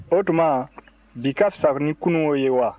o tuma bi ka fisa ni kununwo ye wa